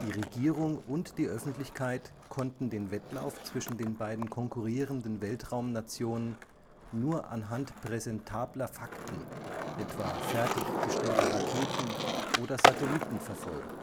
Regierung und die Öffentlichkeit konnten den Wettlauf zwischen den beiden konkurrierenden Weltraumnationen nur anhand präsentabler Fakten, etwa fertiggestellter Raketen und Satelliten, verfolgen